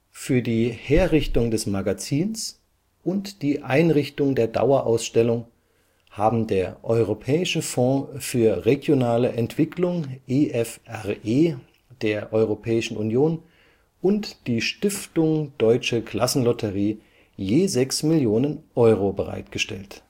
Für die Herrichtung des Magazins (Haus 8) und die Einrichtung der Dauerausstellung haben der Europäische Fonds für regionale Entwicklung (EFRE) der EU und die Stiftung Deutsche Klassenlotterie je sechs Millionen Euro bereitgestellt